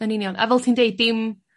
Yn union a fel ti'n deud dim